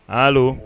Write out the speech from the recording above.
H